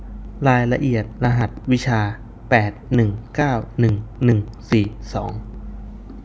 รายละเอียดรหัสวิชาแปดหนึ่งเก้าหนึ่งหนึ่งสี่สอง